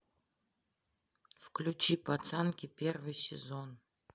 включи пацанки первый сезон